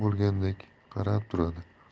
bo'lgandek qarab turadi